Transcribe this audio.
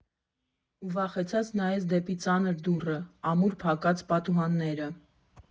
Ու վախեցած նայեց դեպի ծանր դուռը, ամուր փակած պատուհանները։